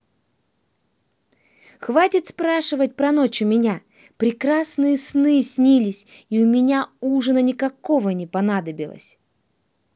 хватит спрашивать про ночь у меня прекрасные сны снились и у меня ужина никакого не понадобилось